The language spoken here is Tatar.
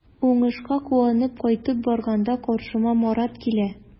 Уңышка куанып кайтып барганда каршыма Марат килә.